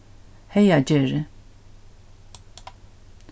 heygagerði